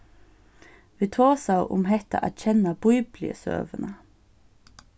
vit tosaðu um hetta at kenna bíbliusøguna